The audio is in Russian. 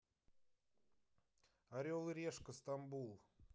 орел и решка стамбул